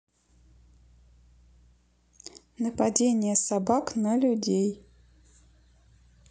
нападение собак на людей